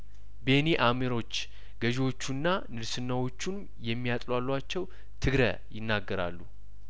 ቤኒ አሚሮች ገዥዎቹና ንድስናዎቹን የሚያጥላሉአቸው ትግረ ይናገራሉ